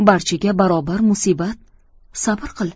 barchaga barobar musibat sabr qil